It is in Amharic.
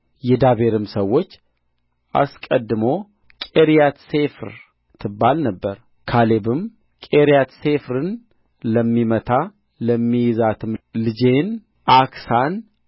የዳቤርም ስም አስቀድሞ ቂርያትሤፍር ትባል ነበር ካሌብም ቂርያትሤፍርን ለሚመታ ለሚይዛትም ልጄን ዓክሳን